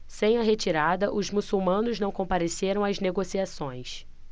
sem a retirada os muçulmanos não compareceram às negociações